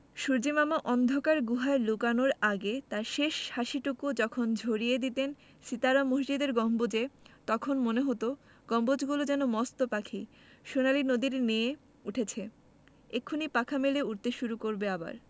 সূর্য্যিমামা অন্ধকার গুহায় লুকানোর আগে তাঁর শেষ হাসিটুকু যখন ঝরিয়ে দিতেন সিতারা মসজিদের গম্বুজে তখন মনে হতো গম্বুজগুলো যেন মস্ত পাখি সোনালি নদীতে নেয়ে উঠেছে এক্ষুনি পাখা মেলে উড়তে শুরু করবে আবার